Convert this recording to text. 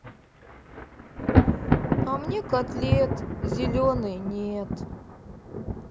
а мне котлет зеленый нет